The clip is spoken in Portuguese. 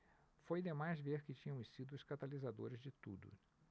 foi demais ver que tínhamos sido os catalisadores de tudo